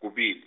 kubili.